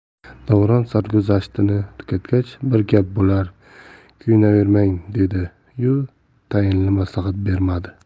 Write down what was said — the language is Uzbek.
davron sarguzashtini tugatgach bir gap bo'lar kuyunavermang dedi yu tayinli maslahat bermadi